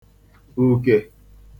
ùkè